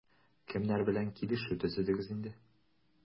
Кемнәр белән килешү төзедегез инде?